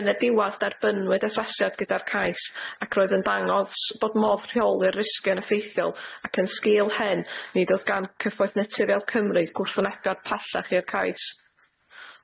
Yn y diwadd derbynwyd asesiad gyda'r cais ac roedd yn dangos bod modd rheoli'r risgia yn effeithiol ac yn sgil hen nid oedd gan cyfoeth naturiol Cymru gwrthwynebiad pellach i'r cais.